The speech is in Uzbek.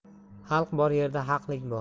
xalq bor yerda haqlik bor